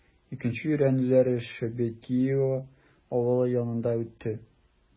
Икенче өйрәнүләр Шебекиио авылы янында үтте.